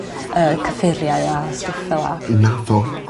yy cyffuriau a stwff fel 'a. Naddo...